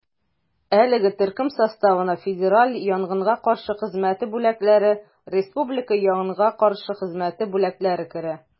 Әлеге төркем составына федераль янгынга каршы хезмәте бүлекләре, республика янгынга каршы хезмәте бүлекләре керә.